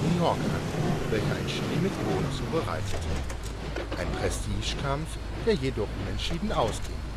York an, welcher ein Chili mit Bohnen zubereitete. Ein Prestigekampf, der jedoch unentschieden ausging